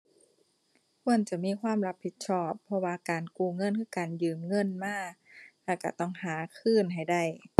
ควรจะมีความรับผิดชอบ เพราะว่าการกู้เงินคือการยืมเงินมา แล้วก็ต้องหาคืนให้ได้ ⁠